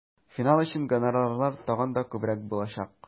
Финал өчен гонорарлар тагын да күбрәк булачак.